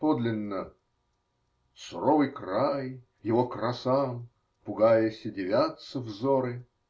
Подлинно, "суровый край: его красам, пугаяся, дивятся взоры".